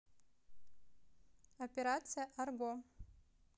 операция арго